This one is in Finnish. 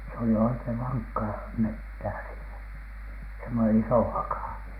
se oli oikein vankkaa metsää siinä semmoinen iso haka